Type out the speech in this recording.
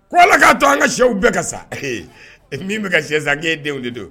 Ko ala k'a to an ka sɛw bɛɛ ka sa min bɛ ka sɛsan'e denw de don